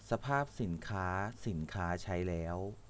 สภาพสินค้าสินค้าใช้แล้ว